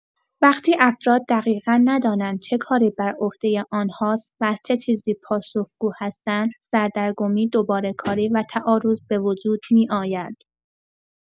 وقتی افراد دقیقا ندانند چه کاری بر عهده آن‌هاست و از چه چیزی پاسخ‌گو هستند، سردرگمی، دوباره‌کاری و تعارض به‌وجود می‌آید.